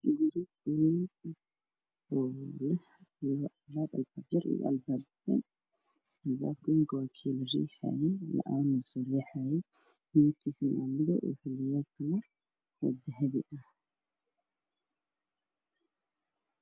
Waa guri waxa uu leeyahay albaab midabkiisu yahay madow iyo dahabi darbiga waa jaalo iyo cadaadis